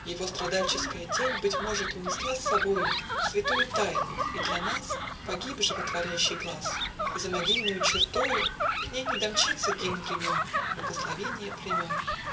Его страдальческая тень, Быть может, унесла с собою Святую тайну, и для нас Погиб животворящий глас, И за могильною чертою К ней не домчится гимн времен, Благословение племен. .